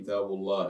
Ja